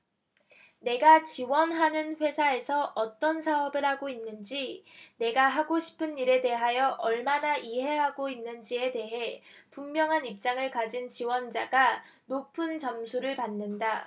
내가 지원하는 회사에서 어떤 사업을 하고 있는지 내가 하고 싶은 일에 대하여 얼마나 이해하고 있는지에 대해 분명한 입장을 가진 지원자가 높은 점수를 받는다